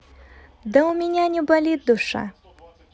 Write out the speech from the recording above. да у меня не болит душа